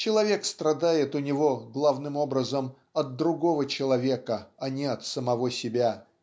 Человек страдает у него главным образом от другого человека а не от самого себя